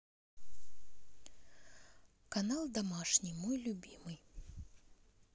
канал домашний мой любимый